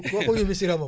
waxuñu Missirah moom